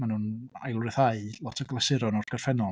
Maen nhw'n ail-ryddhau lot o glasuron o'r gorffenol.